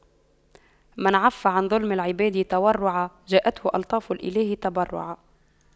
من عَفَّ عن ظلم العباد تورعا جاءته ألطاف الإله تبرعا